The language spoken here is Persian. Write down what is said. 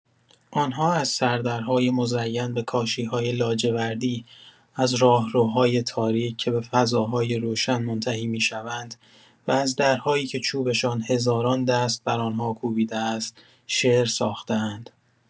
آن‌ها از سردرهای مزین به کاشی‌های لاجوردی، از راهروهای تاریک که به فضاهای روشن منتهی می‌شوند، و از درهایی که چوبشان هزاران دست بر آن‌ها کوبیده است، شعر ساخته‌اند.